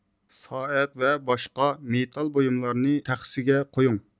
سائەت ۋە باشقا مېتال بويۇملارنى تەخسىگە قويۇڭ